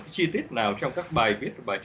chi tiết nào trong các bài viết và